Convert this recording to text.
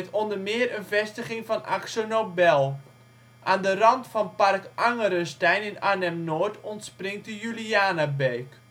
onder meer een vestiging van AkzoNobel. Aan de rand van park Angerenstein in Arnhem-Noord ontspringt de Julianabeek